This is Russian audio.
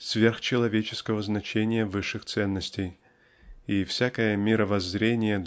сверхчеловеческого значения высших ценностей и всякое мировоззрение